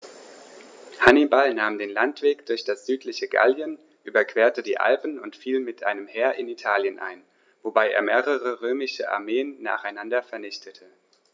Hannibal nahm den Landweg durch das südliche Gallien, überquerte die Alpen und fiel mit einem Heer in Italien ein, wobei er mehrere römische Armeen nacheinander vernichtete.